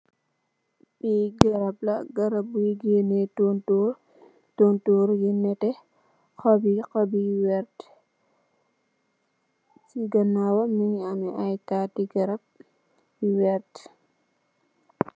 Fi garab la, garab bi gënneh tontorr, tontorr yu nete. Hop yi hop yu vert. Ci gannawam mu ngi ameh ay tati garab yu vert.